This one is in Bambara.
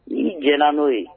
Ni j n'o ye